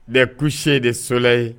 les couchers de soleil